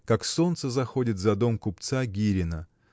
как солнце заходит за дом купца Гирина